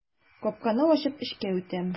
Капканы ачып эчкә үтәм.